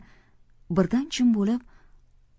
birdan jim bo'lib